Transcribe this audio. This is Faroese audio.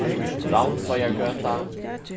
ravnsoyargøta